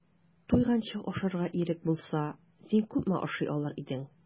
Туйганчы ашарга ирек булса, син күпме ашый алыр идең?